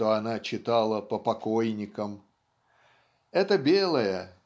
что она читала по покойникам" эта белая